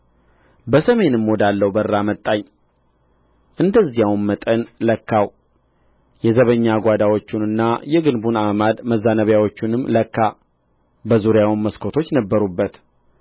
በሰሜንም ወዳለው በር አመጣኝ እንደዚያውም መጠን ለካው የዘበኛ ጓዳዎቹንና የግንቡን አዕማድ መዛነቢያዎቹንም ለካ በዙሪያውም መስኮቶች ነበሩበት